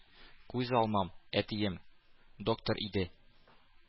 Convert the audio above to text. — күз алмам — әтием — доктор иде,